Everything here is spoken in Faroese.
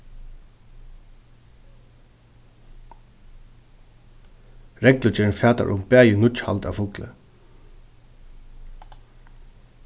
reglugerðin fatar um bæði nýggj hald av fugli